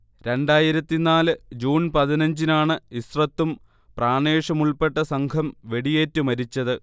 രണ്ടായിരത്തി നാല് ജൂൺ പാതിനഞ്നാണ് ഇസ്രത്തും പ്രാണേഷുമുൾപ്പെട്ട സംഘം വെടിയേറ്റ് മരിച്ചത്